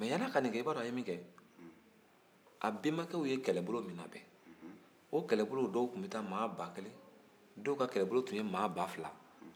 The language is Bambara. a bɛnbakɛ ye kɛlɛbolo min labɛn o kɛlɛbolo dɔw tun bɛ taa se ba kelen dɔw ka kɛlɛbolo tun ye maa ba fila